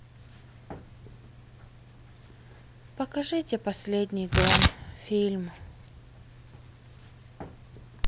покажите последний дон фильм